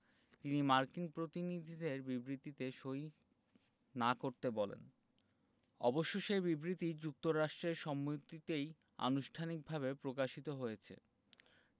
তিনি মার্কিন প্রতিনিধিদের বিবৃতিতে সই না করতে বলেন অবশ্য সে বিবৃতি যুক্তরাষ্ট্রের সম্মতিতেই আনুষ্ঠানিকভাবে প্রকাশিত হয়েছে